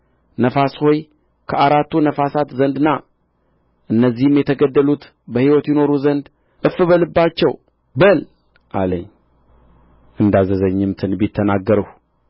ነፋስ ሆይ ከአራቱ ነፋሳት ዘንድ ና እነዚህም የተገደሉት በሕይወት ይኖሩ ዘንድ እፍ በልባቸው በል አለኝ እንዳዘዘኝም ትንቢት ተናገርሁ